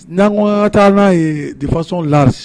N'kɔ taa n'a ye defasɔn laa